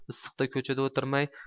issiqda ko'chada o'tirmay